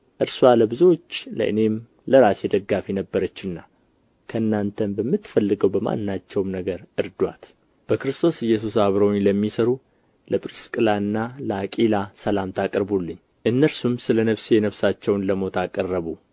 እርስዋ ለብዙዎች ለእኔም ለራሴ ደጋፊ ነበረችና ከእናንተም በምትፈልገው በማናቸውም ነገር እርዱአት በክርስቶስ ኢየሱስ አብረውኝ ለሚሠሩ ለጵርስቅላና ለአቂላ ሰላምታ አቅርቡልኝ እነርሱም ስለ ነፍሴ ነፍሳቸውን ለሞት አቀረቡ